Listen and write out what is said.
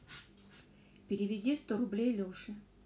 переведи сто рублей леше